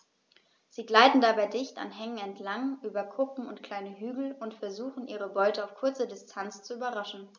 Sie gleiten dabei dicht an Hängen entlang, über Kuppen und kleine Hügel und versuchen ihre Beute auf kurze Distanz zu überraschen.